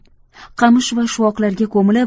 qamish va shuvoqlarga ko'milib